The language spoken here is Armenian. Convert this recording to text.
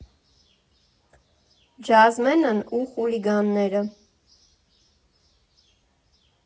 Ջազմենն ու խուլիգանները։